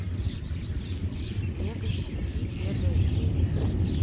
мега щенки первая серия